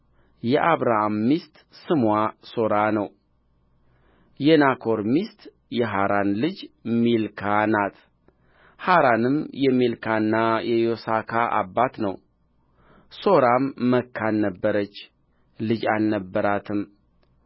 የአብራም ሚስት ስምዋ ሦራ ነው የናኮር ሚስት የሐራን ልጅ ሚልካ ናት ሐራንም የሚልካና የዮስካ አባት ነው ሦራም መካን ነበረች ልጅ አልነበራትም